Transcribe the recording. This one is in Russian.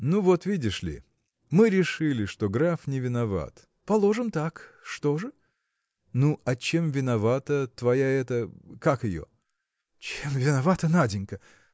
– Ну, вот видишь ли: мы решили, что граф не виноват. – Положим так; что же? – Ну, а чем виновата твоя эта. как ее? – Чем виновата Наденька!